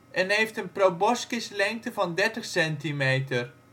en heeft een proboscislengte van 30 centimeter